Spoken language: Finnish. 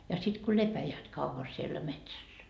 ja sitten kun lepäävät kauan siellä metsässä